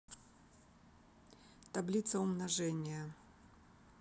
таблица умножения